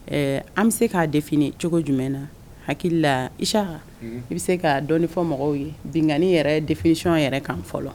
Ɛɛ an bɛ se k'a de cogo jumɛn na hakili la isa i bɛ se k ka dɔnfɔ mɔgɔw ye binkanani yɛrɛ defsi yɛrɛ kan fɔlɔ